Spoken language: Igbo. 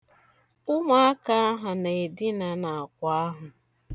Ụmụaka ahụ na-edina n'akwa ahụ.